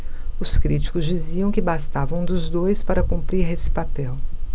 os críticos diziam que bastava um dos dois para cumprir esse papel